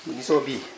gisoo bii